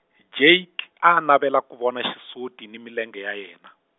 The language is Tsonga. Jake a navela ku vona xisuti ni milenge ya yena.